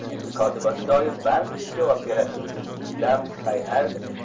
kotibasi doim band deb javob beradi dam hayat